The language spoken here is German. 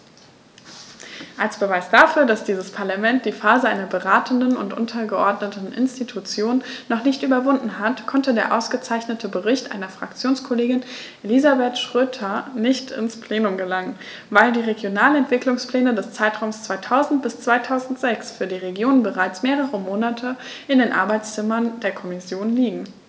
Als Beweis dafür, dass dieses Parlament die Phase einer beratenden und untergeordneten Institution noch nicht überwunden hat, konnte der ausgezeichnete Bericht meiner Fraktionskollegin Elisabeth Schroedter nicht ins Plenum gelangen, weil die Regionalentwicklungspläne des Zeitraums 2000-2006 für die Regionen bereits mehrere Monate in den Arbeitszimmern der Kommission liegen.